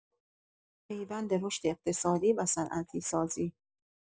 پیوند رشد اقتصادی و صنعتی‌سازی